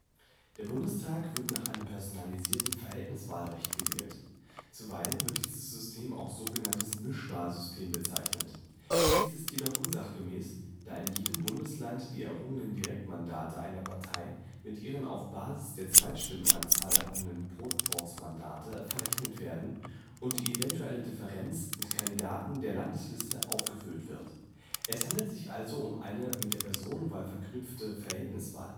Der Bundestag wird nach einem personalisierten Verhältniswahlrecht gewählt. Zuweilen wird dieses System auch als sog. Mischwahlsystem bezeichnet. Dies ist jedoch unsachgemäß, da in jedem Bundesland die errungenen Direktmandate einer Partei mit ihren auf Basis der Zweitstimmenanzahl errungenen Proporzmandaten verrechnet werden und die eventuelle Differenz mit Kandidaten der Landesliste aufgefüllt wird. Es handelt sich also um eine mit der Personenwahl verknüpfte Verhältniswahl